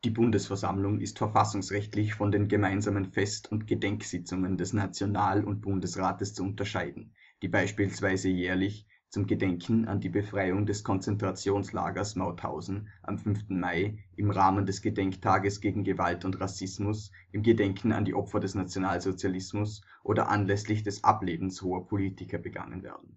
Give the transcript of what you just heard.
Bundesversammlung ist verfassungsrechtlich von den gemeinsamen Fest - und Gedenksitzungen des National - und Bundesrates zu unterscheiden, die beispielsweise jährlich zum Gedenken an die Befreiung des Konzentrationslagers Mauthausen am 5. Mai im Rahmen des Gedenktages gegen Gewalt und Rassismus im Gedenken an die Opfer des Nationalsozialismus oder anlässlich des Ablebens hoher Politiker begangen